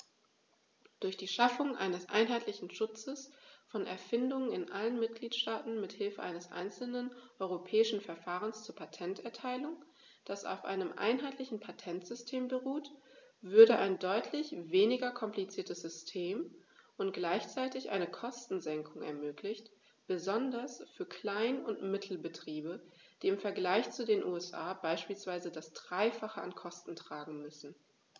Durch die Schaffung eines einheitlichen Schutzes von Erfindungen in allen Mitgliedstaaten mit Hilfe eines einzelnen europäischen Verfahrens zur Patenterteilung, das auf einem einheitlichen Patentsystem beruht, würde ein deutlich weniger kompliziertes System und gleichzeitig eine Kostensenkung ermöglicht, besonders für Klein- und Mittelbetriebe, die im Vergleich zu den USA beispielsweise das dreifache an Kosten tragen müssen.